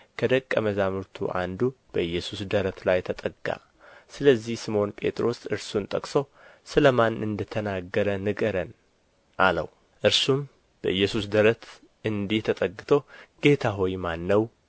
ከደቀ መዛሙርቱ አንዱ በኢየሱስ ደረት ላይ ተጠጋ ስለዚህ ስምዖን ጴጥሮስ እርሱን ጠቅሶ ስለማን እንደ ተናገረ ንገረን አለው እርሱም በኢየሱስ ደረት እንዲህ ተጠግቶ ጌታ ሆይ ማን ነው